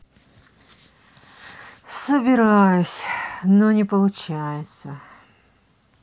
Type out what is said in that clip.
собираюсь но не получается